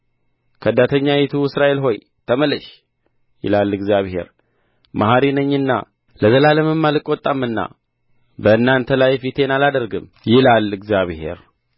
ከዳተኛይቱ እስራኤል ጸደቀች ሂድና ይህን ቃል ወደ ሰሜን ተናገር እንዲህም በል ከዳተናይቱ እስራኤል ሆይ ተመለሽ ይላል እግዚአብሔር መሐሪ ነኝና ለዘላለምም አልቈጣምና በእናንተ ላይ ፊቴን አላደርግም ይላል እግዚአብሔር